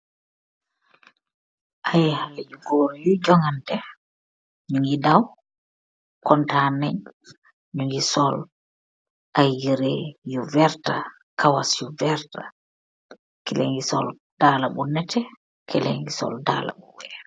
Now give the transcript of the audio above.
Iiiy haleh yu gorr yui joh nganteh, nju ngi daw, contan nen, nju ngi sol iiiy yereh yu vertah, kawass yu vertah, kii leh ngi sol daalah bu nehteh, kehleh ngi sol daalah bu wekh.